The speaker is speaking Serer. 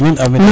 amin amin